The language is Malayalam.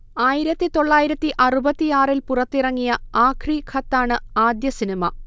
ആയിരത്തി തൊള്ളായിരത്തി അറുപതിൽ പുറത്തിറങ്ങിയ 'ആഖ്രി ഖത്താ' ണ് ആദ്യ സിനിമ